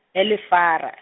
e- Livhara.